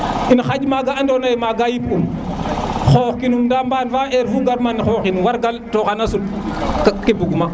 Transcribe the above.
xaƴ maga andona ye maga yip um xoox kinum nda mban fa heure fu gar ma xooxin war galto xan sut poɗ ke bug ma